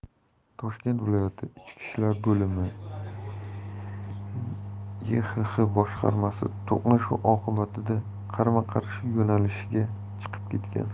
toshkent viloyati ichki ishlar boimib yhx boshqarmasi to'qnashuv oqibatida qarama qarshi yo'nalishga chiqib ketgan